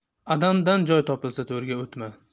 adandan joy topilsa to'rga o'tma